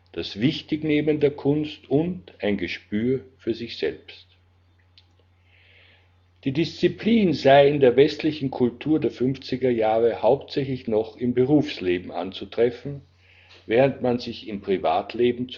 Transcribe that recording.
das Wichtignehmen der Kunst und ein Gespür für sich selbst. Die Disziplin sei in der westlichen Kultur (der 50er Jahre) hauptsächlich noch im Berufsleben anzutreffen, während man sich im Privatleben